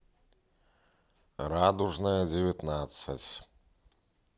радужная девятнадцать